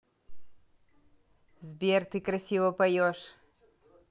сбер ты красиво поешь